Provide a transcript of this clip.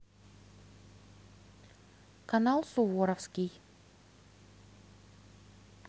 канал суворовский